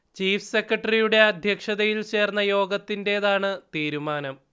chief സെക്രട്ടറിയുടെ അധ്യക്ഷതയിൽ ചേർന്ന യോഗത്തിൻറേതാണ് തീരുമാനം